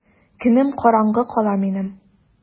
Көнем караңгы кала минем!